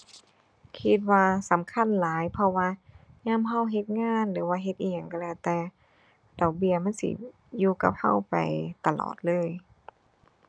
คิดว่าสำคัญหลาย เพราะว่ายามเราเฮ็ดงานหรือว่าเฮ็ดอิหยังเราแล้วแต่ ดอกเบี้ยมันสิอยู่กับเราไปตลอดเลย